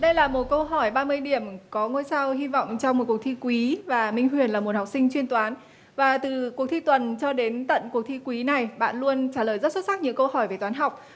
đây là một câu hỏi ba mươi điểm có ngôi sao hy vọng cho một cuộc thi quý và minh huyền là một học sinh chuyên toán và từ cuộc thi tuần cho đến tận cuộc thi quý này bạn luôn trả lời rất xuất sắc những câu hỏi về toán học